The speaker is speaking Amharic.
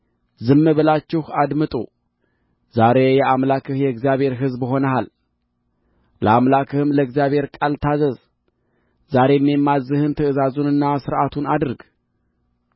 ዝም ብላችሁ አድምጡ ዛሬ የአምላክህ የእግዚአብሔር ሕዝብ ሆነሃል ለአምላክህም ለእግዚአብሔር ቃል ታዘዝ ዛሬም የማዝዝህን ትእዛዙንና ሥርዓቱን አድርግ